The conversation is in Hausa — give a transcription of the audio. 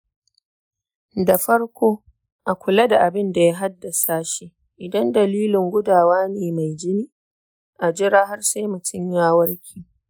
da farko a kula da abin da ya haddasa shi. idan dalilin gudawa ne mai jini, a jira har sai mutum ya warke.